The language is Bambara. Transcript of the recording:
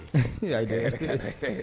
Ɛn, ee ayi dɛ.